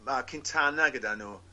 ma' Quintana gyda n'w